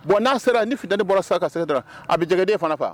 Bon n'a sera ni fiteni bɔra sa kasɛ a bɛ jɛgɛjɛden fana faa